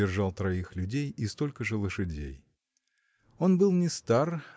держал троих людей и столько же лошадей. Он был не стар